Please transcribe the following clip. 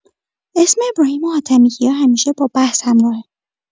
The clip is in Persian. اسم ابراهیم حاتمی‌کیا همیشه با بحث همراهه.